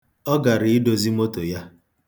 Ọ gara idozi moto ya.